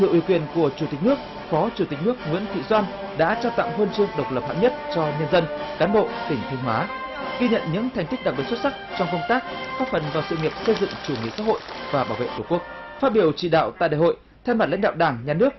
được ủy quyền của chủ tịch nước phó chủ tịch nước nguyễn thị doan đã trao tặng huân chương độc lập hạng nhất cho nhân dân cán bộ tỉnh thanh hóa ghi nhận những thành tích đặc biệt xuất sắc trong công tác góp phần vào sự nghiệp xây dựng chủ nghĩa xã hội và bảo vệ tổ quốc phát biểu chỉ đạo tại đại hội thay mặt lãnh đạo đảng nhà nước